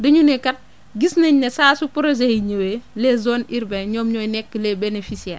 dañu ne kat gis nañ ne saa su projets yi ñëwee les zones urbains ñoom ñooy nekk les bénéficiares